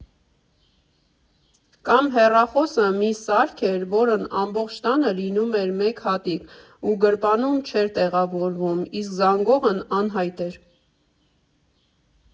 Կամ՝ հեռախոսը մի սարք էր, որն ամբողջ տանը լինում էր մեկ հատիկ ու գրպանում չէր տեղավորվում, իսկ զանգողն անհայտ էր։